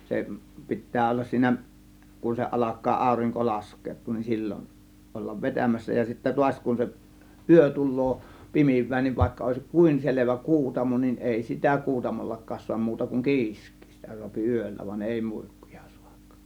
se pitää olla siinä kun se alkaa aurinko laskeutua niin silloin olla vetämässä ja sitten taas kun se yö tulee pimenee niin vaikka olisikin kuinka selvä kuutamo niin ei sitä kuutamollakaan saa muuta kuin kiiskiä sitä saa yöllä vaan ei muikkuja saa